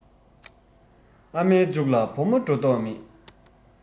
ཨ མའི མཇུག ལ བུ མོ འགྲོ མདོག མེད